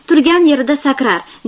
turgan yerida sakrar